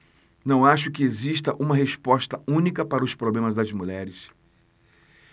não acho que exista uma resposta única para os problemas das mulheres